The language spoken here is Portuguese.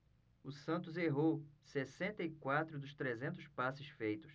o santos errou sessenta e quatro dos trezentos passes feitos